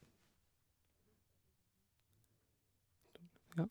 Ja.